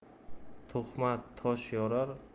tuhmat tosh yorar